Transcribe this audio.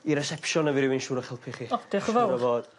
...i reception a fy rywun siŵr o'ch helpu chi. O dioch yn fowr. Siŵr o fod.